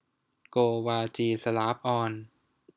โกวาจีสลาฟออน